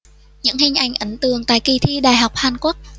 những hình ảnh ấn tượng tại kỳ thi đại học hàn quốc